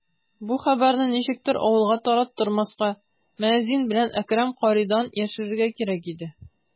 Бу хәбәрне ничектер авылга тараттырмаска, мәзин белән Әкрәм каридан яшерергә кирәк иде.